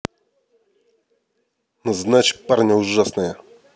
назначь парня ужасная